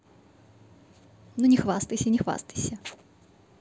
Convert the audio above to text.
ну не хвастайся не хвастайся